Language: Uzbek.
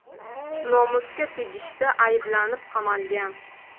nomusga tegishda ayblanib qamalgan